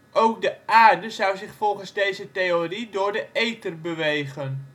Ook de aarde zou zich volgens deze theorie door de ether bewegen